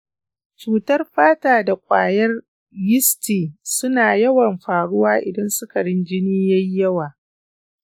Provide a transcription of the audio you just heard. cutar fata da ƙwayar yisti suna yawan faruwa idan sukarin jini ya yi yawa.